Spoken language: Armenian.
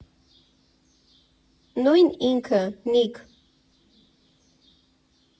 Նույն ինքը՝ Նիք։